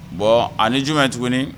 Bɔn a ni jumɛn ye tuguni